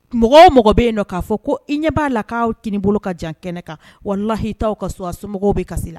Mɔgɔ o mɔgɔ bɛ yen nɔ k'a fɔ ko i ɲɛ b'a la k'aw kinibolo ka jan kɛnɛ kan walahi t'aa u ka so a somɔgɔw bɛ kasi la